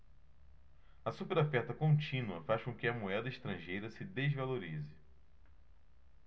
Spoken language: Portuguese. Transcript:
a superoferta contínua faz com que a moeda estrangeira se desvalorize